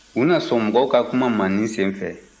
u na sɔn mɔgɔw ka kuma ma nin sen fɛ